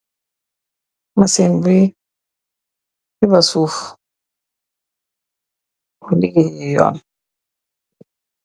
Machine bui tebba suff purr ligaye yoon